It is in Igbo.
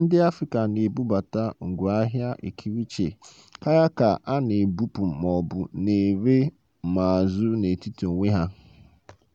Mba ndị dị n'Afrịka na-ebubata ngwa ahịa ekere uche karịa ka ha na-ebupụ ma ọ bụ na-ere ma azụ n'etiti onwe ha.